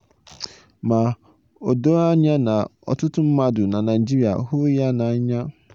Ma, o doro anya na ọtụtụ mmadụ na Naịjirịa hụrụ ya n'anya.